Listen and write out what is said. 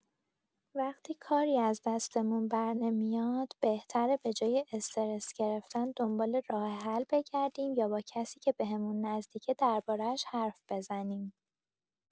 وقتی کاری از دستمون برنمیاد، بهتره به‌جای استرس گرفتن، دنبال راه‌حل بگردیم یا با کسی که بهمون نزدیکه، درباره‌اش حرف بزنیم.